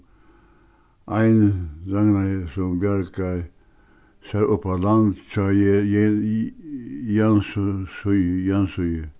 ein sum bjargar sær uppá land hjá